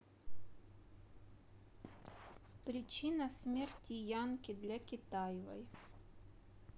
причина смерти янки для китаевой